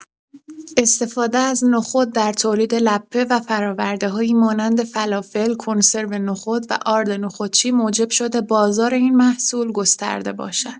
استفاده از نخود در تولید لپه و فرآورده‌هایی مانند فلافل، کنسرو نخود و آرد نخودچی موجب شده بازار این محصول گسترده باشد.